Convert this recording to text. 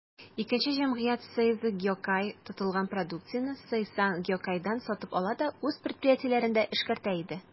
Икенче җәмгыять, «Сейзо Гиокай», тотылган продукцияне «Сейсан Гиокайдан» сатып ала да үз предприятиеләрендә эшкәртә иде.